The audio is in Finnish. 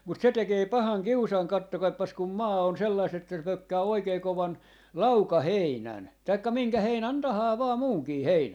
mutta se tekee pahan kiusan katsokaapas kun maa on sellaista että se pökkää oikein kovan laukaheinän tai minkä heinän tahansa vain muunkin heinän